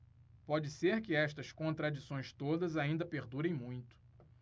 pode ser que estas contradições todas ainda perdurem muito